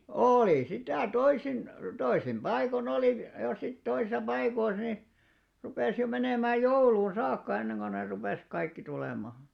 oli sitä toisin toisin paikoin oli ja sitten toisissa paikoissa niin rupesi jo menemään jouluun saakka ennen kuin ne rupesi kaikki tulemaan